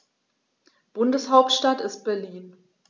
Bundeshauptstadt ist Berlin.